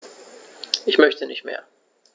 Ich möchte nicht mehr.